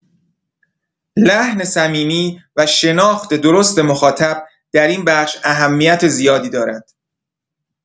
لحن صمیمی و شناخت درست مخاطب در این بخش اهمیت زیادی دارد.